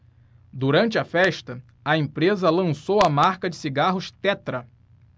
durante a festa a empresa lançou a marca de cigarros tetra